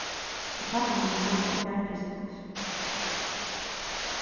í kjallaranum standa tvær frystiboksir